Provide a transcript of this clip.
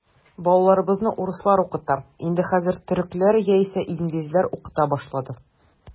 Балаларыбызны урыслар укыта, инде хәзер төрекләр яисә инглизләр укыта башлады.